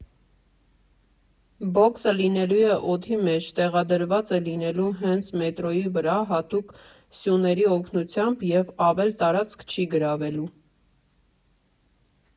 Բոքսը լինելու է օդի մեջ, տեղադրված է լինելու հենց մետրոյի վրա հատուկ սյուների օգնությամբ և ավել տարածք չի գրավելու։